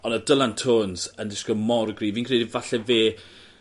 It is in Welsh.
On' odd Dylan Teuns yn dishgwyl mor gryf. Fi'n credu falle fe